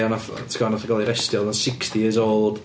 a wnaeth... ti'n gwbod wnaeth o gael i arestio odd o'n sixty years old